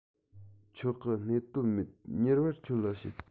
ཆོག གི གནད དོན མེད མྱུར བར ཁྱོད ལ བཤད